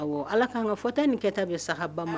Ayiwa ala k'an ka fɔ tɛ nin kɛ ta bɛ sa bama